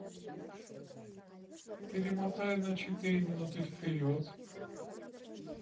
перемотай на четыре минуты вперед